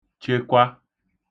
chekwa